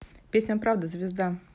песня правда звезда